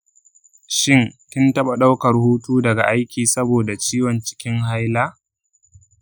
shin kin taɓa ɗaukar hutu daga aiki saboda ciwon cikin haila?